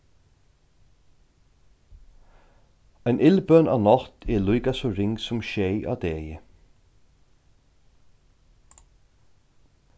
ein illbøn á nátt er líka so ring sum sjey á degi